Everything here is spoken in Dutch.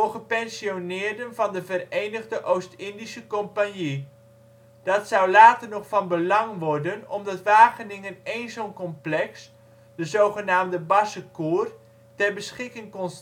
gepensioneerden van de Verenigde Oostindische Compagnie. Dat zou later nog van belang worden omdat Wageningen één zo 'n complex - de zogenaamde ' Bassecour '- ter beschikking kon